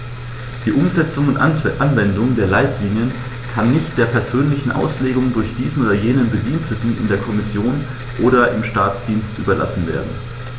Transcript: Die Umsetzung und Anwendung der Leitlinien kann nicht der persönlichen Auslegung durch diesen oder jenen Bediensteten in der Kommission oder im Staatsdienst überlassen werden.